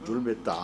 Joli bɛ taa